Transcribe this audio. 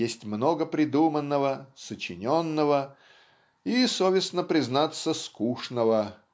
Есть много придуманного, сочиненного и, совестно признаться, скучного